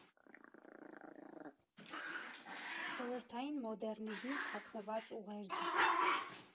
Խորհրդային մոդեռնիզմի թաքնված ուղերձը։